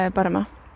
y bora 'ma.